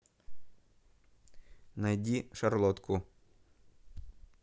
найди шарлотку